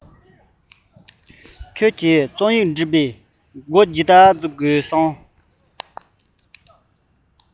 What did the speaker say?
ཁྱོད ཀྱིས རྩོམ ཡིག འབྲི བའི མགོ ཇི ལྟར འཛུགས དགོས སམ